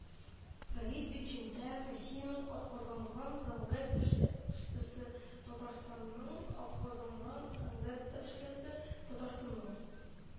Фәрит Бикчәнтәев - Россиянең атказанган сәнгать эшлелесе , Татарстанның атказанган сәнгать эшлесе, Татарстанның